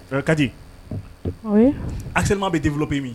Kadi akilimama bɛ denlo bɛ min